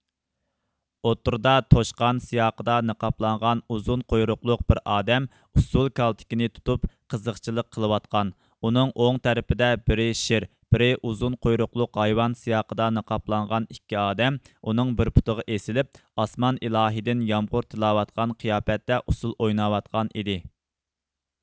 ئوتتۇرىدا توشقان سىياقىدا نىقابلانغان ئۇزۇن قۇيرۇقلۇق بىر ئادەم ئۇسسۇل كالتىكىنى تۇتۇپ قىزقچىلىق قىلىۋاتقان ئۇنىڭ ئوڭ تەرىپىدە بىرى شىر بىرى ئۇزۇن قۇيرۇقلۇق ھايۋان سىياقىدا نىقابلانغان ئىككى ئادەم ئۇنىڭ بىر پۇتىغا ئېسىلىپ ئاسمان ئىلاھىدىن يامغۇر تىلەۋاتقان قىياپەتتە ئۇسسۇل ئويناۋاتقان ئىدى